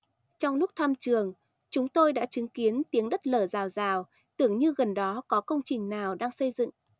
trong lúc thăm trường chúng tôi đã chứng kiến tiếng đất lở rào rào tưởng như gần đó có công trình nào đang xây dựng